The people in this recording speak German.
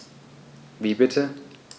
Wie bitte?